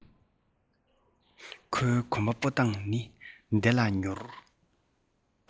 ཁོའི གོམ པ སྤོ སྟངས ནི བདེ ལ མྱུར